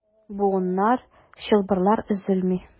Буыннар, чылбырлар өзелми.